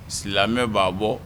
Silamɛmɛ b'a bɔ